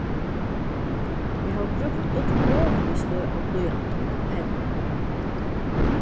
eg havi brúkt øll møgulig sløg av blýantum og pennum